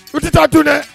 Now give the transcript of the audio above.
U tɛ taa a dun dɛ